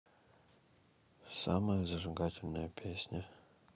самая зажигательная песня